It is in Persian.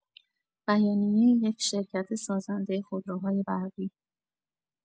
بیانیه یک شرکت سازنده خودروهای برقی